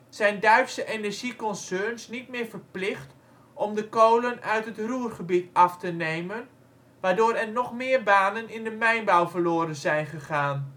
zijn Duitse energieconcerns niet meer verplicht om de kolen uit het Ruhrgebied af te nemen, waardoor er nog meer banen in de mijnbouw verloren zijn gegaan